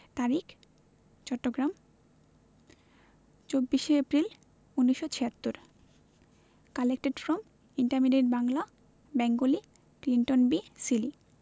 তারিখ চট্টগ্রাম ২৪শে April ১৯৭৬ collected from intermediate Bangla Bengali Clinton B Seely